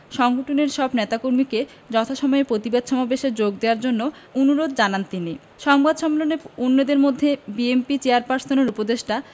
সংগঠনের সব নেতাকর্মীকে যথাসময়ে প্রতিবাদ সমাবেশে যোগ দেয়ার জন্য অনুরোধ জানান তিনি সংবাদ সম্মেলনে অন্যদের মধ্যে বিএনপি চেয়ারপারসনের উপদেষ্টা